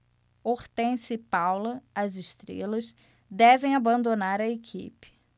hortência e paula as estrelas devem abandonar a equipe